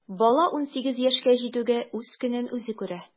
Бала унсигез яшькә җитүгә үз көнен үзе күрә.